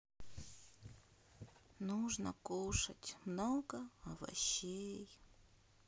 нужно кушать много овощей